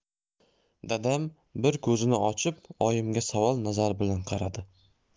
dadam bir ko'zini ochib oyimga savol nazari bilan qaradi